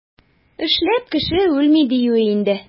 Эшләп кеше үлми, диюе инде.